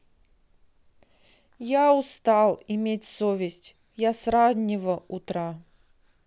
я устал иметь совесть я с раннего утра